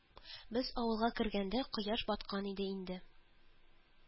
Без авылга кергәндә, кояш баткан иде инде